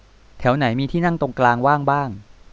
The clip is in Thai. แถวไหนมีที่นั่งตรงกลางว่างบ้าง